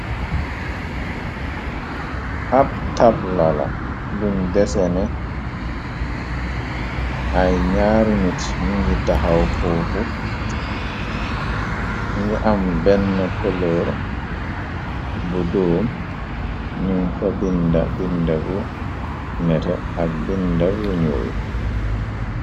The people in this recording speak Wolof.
ab tablala buñ desene ay ñaari nit ñu ngi taxaw xuuxu ngi am benn koloor bu dóom ñum fa bi-bindebu nete ak bindabu ñu wi